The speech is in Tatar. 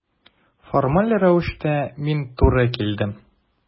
Формаль рәвештә мин туры килдем.